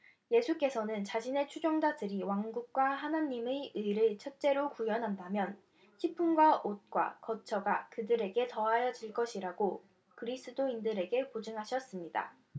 예수께서는 자신의 추종자들이 왕국과 하느님의 의를 첫째로 구한다면 식품과 옷과 거처가 그들에게 더하여질 것이라고 그리스도인들에게 보증하셨습니다